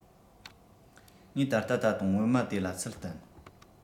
ངས ད ལྟ ད དུང སྔོན མ དེ ལ ཚུལ བསྟན